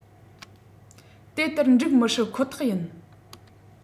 དེ ལྟར འགྲིག མི སྲིད ཁོ ཐག ཡིན